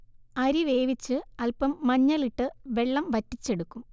അരി വേവിച്ച് അൽപം മഞ്ഞളിട്ട് വെള്ളം വറ്റിച്ചെടുക്കും